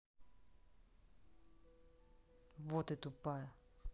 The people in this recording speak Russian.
вот и тупая